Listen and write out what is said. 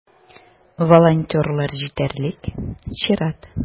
Волонтерлар җитәрлек - чират.